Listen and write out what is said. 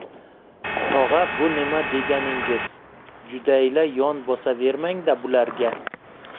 tog'a bu nima deganingiz judayla yon bosavermangda bularga